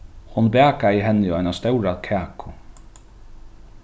hon bakaði henni eina stóra kaku